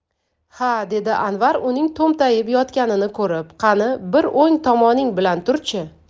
ha dedi anvar uning tumtayib yotganini ko'rib qani bir o'ng tomoning bilan tur chi